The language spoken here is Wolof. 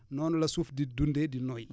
noonu la suuf di dundee di noyyi